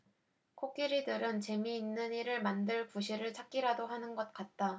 코끼리들은 재미있는 일을 만들 구실을 찾기라도 하는 것 같다